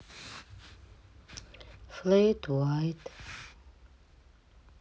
флэт уайт